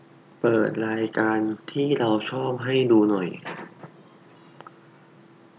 เปิดรายการที่เราชอบให้ดูหน่อย